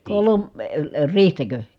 -- riihtäkö